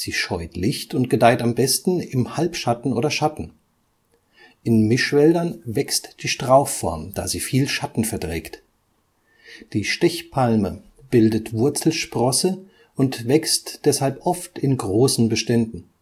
scheut Licht und gedeiht am besten im Halbschatten oder Schatten. In Mischwäldern wächst die Strauchform, da sie viel Schatten verträgt. Die Stechpalme bildet Wurzelsprosse und wächst deshalb oft in großen Beständen